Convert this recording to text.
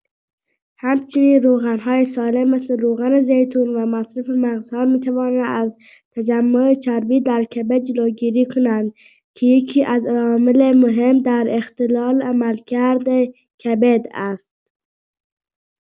همچنین روغن‌های سالم مثل روغن‌زیتون و مصرف مغزها می‌توانند از تجمع چربی در کبد جلوگیری کنند که یکی‌از عوامل مهم در اختلال عملکرد کبد است.